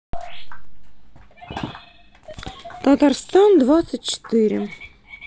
татарстан двадцать четыре